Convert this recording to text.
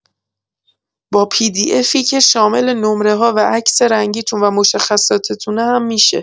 با پی دی افی که شامل نمره‌ها و عکس رنگی‌تون و مشخصاتتونه هم می‌شه